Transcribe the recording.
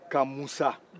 kamusa